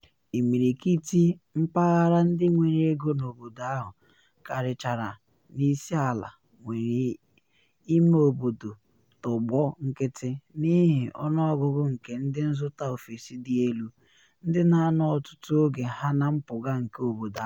Imirikiti mpaghara ndị nwere ego n’obodo ahụ - karịchara n’isi ala - nwere “ime obodo tọgbọ nkịtị” n’ihi ọnụọgụ nke ndị nzụta ofesi dị elu, ndị na anọ ọtụtụ oge ha na mpụga nke obodo ahụ.